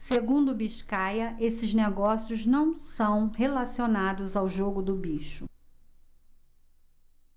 segundo biscaia esses negócios não são relacionados ao jogo do bicho